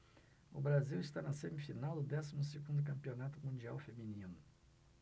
o brasil está na semifinal do décimo segundo campeonato mundial feminino